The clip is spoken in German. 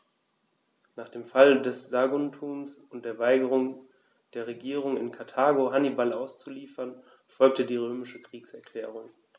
Nach dem Fall Saguntums und der Weigerung der Regierung in Karthago, Hannibal auszuliefern, folgte die römische Kriegserklärung.